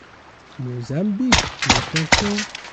Mozambique nìkan kọ́.